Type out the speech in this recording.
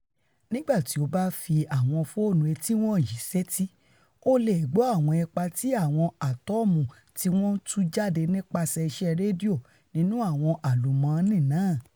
nígbà tí o báfi àwọn fóònù ètí wọ̀nyí sétí, o leè gbọ́ àwọn ipa ti àwọn átọ́ọ́mù tíwọ́n tú jáde nípaṣẹ̀ iṣẹ́ rédíò nínú àwọn àlùmọ́ọ̀nì náà.''